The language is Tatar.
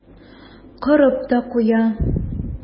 Корып та куя.